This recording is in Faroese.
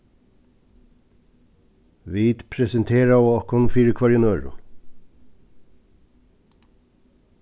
vit presenteraðu okkum fyri hvørjum øðrum